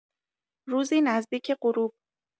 روزی نزدیک غروب